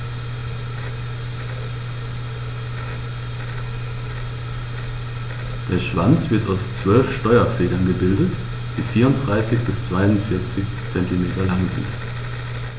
Der Schwanz wird aus 12 Steuerfedern gebildet, die 34 bis 42 cm lang sind.